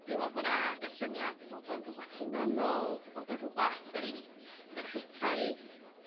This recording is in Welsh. Dwi me'wl bo' 'na y syniad fod o'n rwbath hunanol fod y' rwbath reit ferchetaidd.